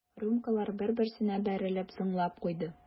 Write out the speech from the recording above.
Рюмкалар бер-берсенә бәрелеп зыңлап куйды.